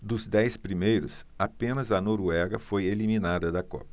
dos dez primeiros apenas a noruega foi eliminada da copa